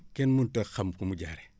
kenn mënut a xam fi mu jaaree